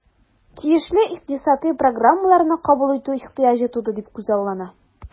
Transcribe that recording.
Тиешле икътисадый программаларны кабул итү ихтыяҗы туды дип күзаллана.